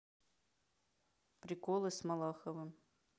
приколы с малаховым